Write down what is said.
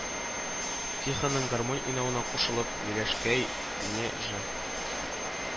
Тихонның гармонь уйнавына кушылып, Миләшкәй не ж